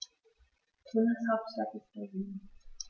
Bundeshauptstadt ist Berlin.